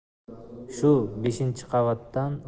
shu beshinchi qavatdan